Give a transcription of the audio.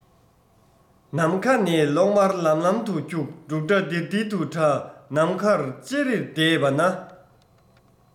ནམ མཁའ ནས གློག དམར ལམ ལམ དུ འཁྱུག འབྲུག སྒྲ ལྡིར ལྡིར དུ གྲགས ནམ མཁར ཅེར ཏེ བསྡད པ ན